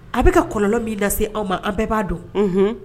A bɛka ka kɔnɔlɔ min lase se aw ma an bɛɛ b'a dɔn